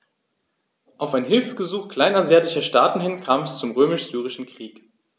Auf ein Hilfegesuch kleinasiatischer Staaten hin kam es zum Römisch-Syrischen Krieg.